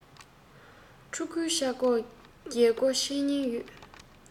ཕྲུ གུས ཆག སྒོའི རྒྱལ སྒོ ཕྱེ ཉེན ཡོད